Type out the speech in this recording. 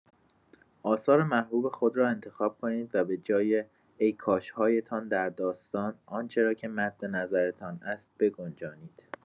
آثار محبوب خود را انتخاب کنید و به‌جای «ای کاش‌هایتان» در داستان، آنچه را که مد نظرتان است بگنجانید.